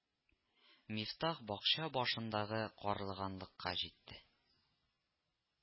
Мифтах бакча башындагы карлыганлыкка җитте